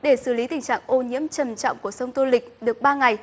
để xử lý tình trạng ô nhiễm trầm trọng của sông tô lịch được ba ngày